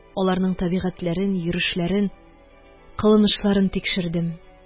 Аларның табигатьләрен, йөрешләрен, кылынышларын тикшердем.